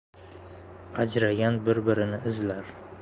ajragan bir birini izlar